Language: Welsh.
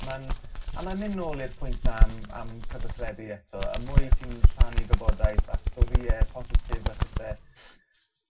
ma'n a ma'n mynd nôl i'r pwynt 'na am am cyfathrebu eto y mwy ti'n rhannu gwybodaeth a storie positif a phethe